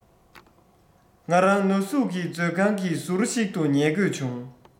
ང རང ན ཟུག གིས མཛོད ཁང གི ཟུར ཞིག ཏུ ཉལ དགོས བྱུང